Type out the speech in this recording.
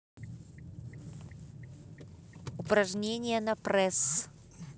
упражнения на пресс